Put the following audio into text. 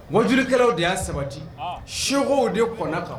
Wakulukɛlanw de y'a sabati, ɔn sekow de kɔn na kan